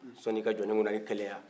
sanni i ka jɔnin kunadi keleya